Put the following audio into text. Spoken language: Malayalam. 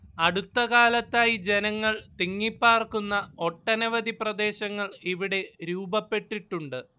അടുത്തകാലത്തായി ജനങ്ങൾ തിങ്ങിപ്പാർക്കുന്ന ഒട്ടനവധി പ്രദേശങ്ങൾ ഇവിടെ രൂപപ്പെട്ടിട്ടുണ്ട്